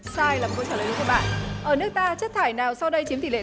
sai là một câu trả lời đúng của bạn ở nước ta chất thải nào sau đây chiếm tỷ lệ